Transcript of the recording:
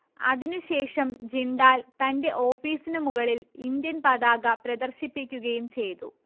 അതിന് ശേഷം ജിണ്ടാൽ തന്റെ ഓഫീസിനു മുകളിൽ ഇന്ത്യൻ പതാക പ്രദർശിപ്പിക്കുകയും ചെയ്തു